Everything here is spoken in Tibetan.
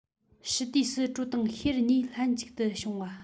དཔྱིད དུས སུ དྲོད དང གཤེར གཉིས ལྷན ཅིག ཏུ བྱུང བ